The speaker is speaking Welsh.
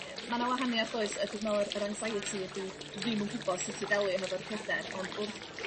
yy ma' 'na wahaniaeth does a dwi me'wl yr yr anxiety ydi ddim yn gwbo sut i ddelio hefo'r pryder ond wrth